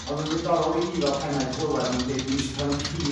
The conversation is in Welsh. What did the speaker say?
o'dd yn ddiddorol i fi fel pennaeth glywad nhw'n deud dwi'm isio cael yn rhin